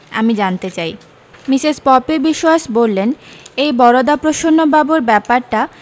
আমি জানতে চাই মিসেস পপি বিশোয়াস বললেন এই বরদাপ্রসন্ন বাবুর ব্যাপারটা